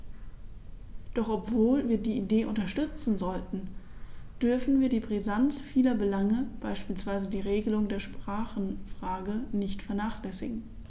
Doch obwohl wir die Idee unterstützen sollten, dürfen wir die Brisanz vieler Belange, beispielsweise die Regelung der Sprachenfrage, nicht vernachlässigen.